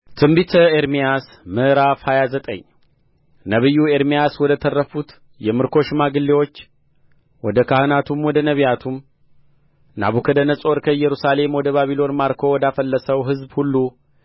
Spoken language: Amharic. ትንቢተ ኤርምያስ ምዕራፍ ሃያ ዘጠኝ ነቢዩ ኤርምያስ ወደ ተረፉት የምርኮ ሽማግሌዎች ወደ ካህናቱም ወደ ነቢያቱም ናቡከደነፆር ከኢየሩሳሌም ወደ ባቢሎን ማርኮ ወዳፈለሰውም ሕዝብ ሁሉ